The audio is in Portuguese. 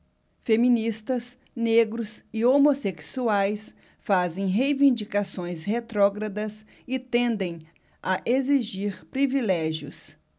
feministas negros e homossexuais fazem reivindicações retrógradas e tendem a exigir privilégios